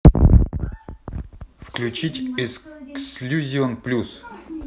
включить иллюзион плюс